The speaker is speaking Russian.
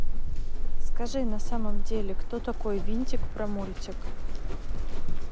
скажи на самом деле кто такой винтик про мультик